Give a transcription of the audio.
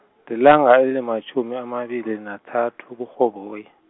lilanga elimatjhumi amabili nathathu kuRhoboyi.